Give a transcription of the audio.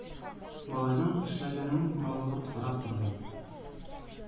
Малайның эшләгәнен мавыгып карап торды.